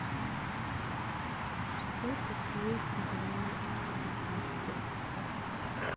что такое проблема авторизации